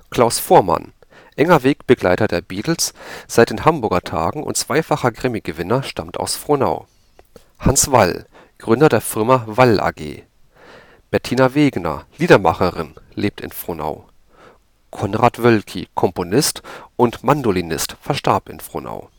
Klaus Voormann, enger Wegbegleiter der Beatles seit den Hamburger Tagen und zweifacher Grammy-Gewinner, stammt aus Frohnau Hans Wall, Gründer der Firma Wall AG, Bettina Wegner, Liedermacherin, lebt in Frohnau Konrad Wölki, Komponist und Mandolinist, verstarb in Frohnau